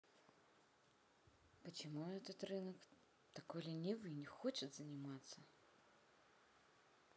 почему этот рынок такой ленивый и не хочет заниматься